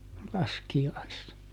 laskiaisena